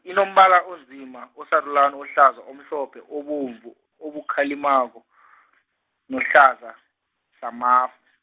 inombala onzima, osarulani, ohlaza, omhlophe, obomvu obukhalimako , nohlaza samafu.